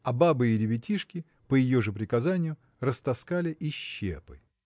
А бабы и ребятишки, по ее же приказанию, растаскали и щепы.